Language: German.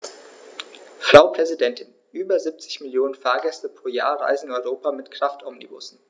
Frau Präsidentin, über 70 Millionen Fahrgäste pro Jahr reisen in Europa mit Kraftomnibussen.